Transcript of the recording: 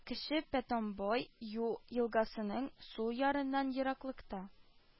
Кече Пятомбой-Ю елгасының сул ярыннан ераклыкта